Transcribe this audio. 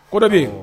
Koda bɛ